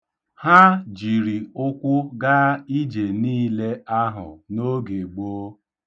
Ha jiri ụkwụ gaa ije niile ahụ n'oge gboo.